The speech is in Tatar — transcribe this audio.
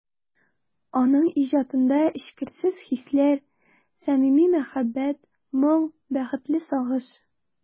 Аның иҗатында эчкерсез хисләр, самими мәхәббәт, моң, бәхетле сагыш...